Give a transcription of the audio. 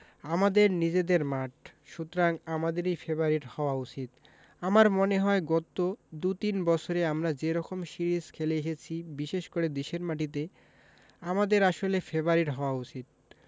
আমাদের নিজেদের মাঠ সুতরাং আমাদেরই ফেবারিট হওয়া উচিত আমার কাছে মনে হয় গত দু তিন বছরে আমরা যে রকম সিরিজ খেলে এসেছি বিশেষ করে দেশের মাটিতে আমাদের আসলে ফেবারিট হওয়া উচিত